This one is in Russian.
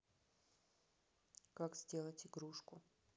как сделать игрушку